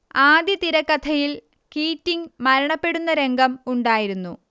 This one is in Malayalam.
ആദ്യ തിരക്കഥയിൽ കീറ്റിംഗ് മരണപ്പെടുന്ന രംഗം ഉണ്ടായിരുന്നു